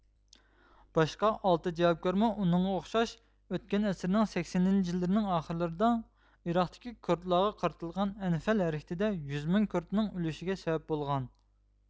باشقا ئالتە جاۋابكارمۇ ئۇنىڭغا ئوخشاش ئۆتكەن ئەسىرنىڭ سەكسىنىنچى يىللىرىنىڭ ئاخىرلىرىدا ئىراقتىكى كۇردلارغا قارىتىلغان ئەنفەل ھەرىكىتىدە يۈز مىڭ كۇردنىڭ ئۆلۈشىگە سەۋەب بولغان